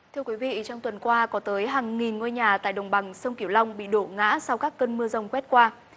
thưa quý vị trong tuần qua có tới hàng nghìn ngôi nhà tại đồng bằng sông cửu long bị đổ ngã sau các cơn mưa giông quét qua